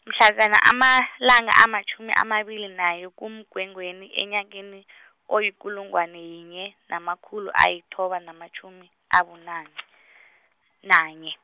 mhlanzana amalanga amatjhumi amabili naye kuMgwengweni, enyakeni oyikulungwane yinye, namakhulu ayithoba namatjhumi, abunane , nanye.